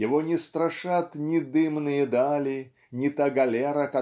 Его не страшат ни "дымные дали" ни та галера